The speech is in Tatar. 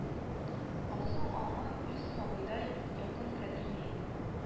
Алсу аңа үз сабыедай якын кадерле иде